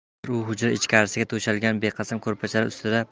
hozir u hujra ichkarisiga to'shalgan beqasam ko'rpachalar